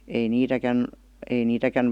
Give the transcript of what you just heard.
ei niitäkään ei niitäkään